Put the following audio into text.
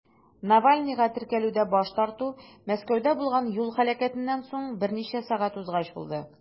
Навальныйга теркәлүдә баш тарту Мәскәүдә булган юл һәлакәтеннән соң берничә сәгать узгач булды.